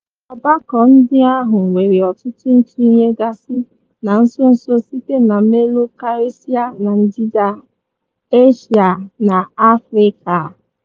Ọgbakọ ndị ahụ nwere ọtụtụ ntụnye gasị na nsonso site na meelụ karịsịa na Ndịda Asia na Afrịka.